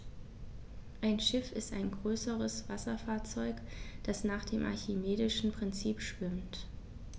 Ein Schiff ist ein größeres Wasserfahrzeug, das nach dem archimedischen Prinzip schwimmt.